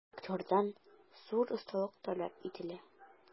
Актердан зур осталык таләп ителә.